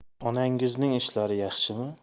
onangizning ishlari yaxshimi